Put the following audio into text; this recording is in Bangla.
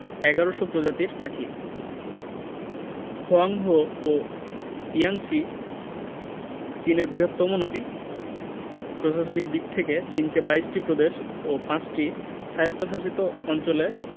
১১শ প্রজাতির পাখি হোয়াংহো ও ইয়াংসি চীনের বৃহত্তম নদী প্রশাসনিক দিক থেকে চিনকে ২২ টি প্রদেশ ও ৫ টি স্বায়ত্তশাসিত অঞ্চলে